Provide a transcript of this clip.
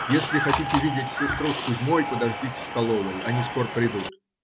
Если хотите видеть сестру с Кузьмой, подождите в столовой, они скоро придут.